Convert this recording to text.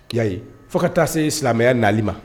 I y'a ye fo ka taa se silamɛya nali ma